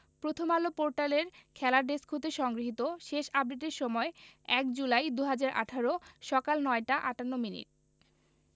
প্রথমআলো পোর্টালের খেলা ডেস্ক হতে সংগৃহীত শেষ আপডেটের সময় ১ জুলাই ২০১৮ সকাল ৯টা ৫৮মিনিট